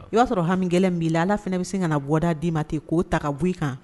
I ba sɔrɔ hami gɛlɛn min bi la Ala fana bi se ka na bɔda di ma ten . Ko ta ka bɔ i kan